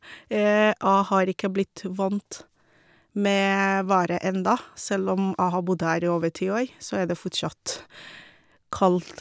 Jeg har ikke blitt vant med været enda, selv om jeg har bodd her over ti år, så er det fortsatt kaldt.